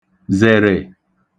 zèrè